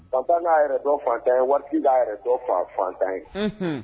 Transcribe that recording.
Bantan'a yɛrɛ dɔn fantan ye waati'a yɛrɛ fan fantan ye